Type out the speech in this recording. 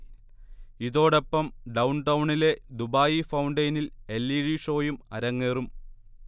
ഇതോടൊപ്പം ഡൗൺടൗണിലെ ദുബായ് ഫൗണ്ടെയിനിൽ എൽ. ഇഡി ഷോയും അരങ്ങേറും